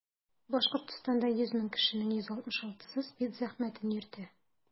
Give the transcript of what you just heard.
Башкортстанда 100 мең кешенең 166-сы СПИД зәхмәтен йөртә.